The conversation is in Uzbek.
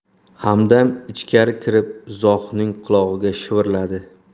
hamdam ichkari kirib zohidning qulog'iga shivirladi